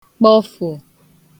kpọfụ̀